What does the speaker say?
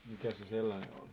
mikä se sellainen oli